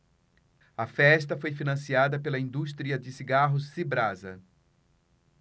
a festa foi financiada pela indústria de cigarros cibrasa